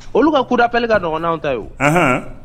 Olu ka kudaple ka nɔgɔw ta ye